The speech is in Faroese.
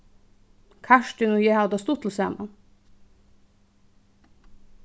kartin og eg hava tað stuttligt saman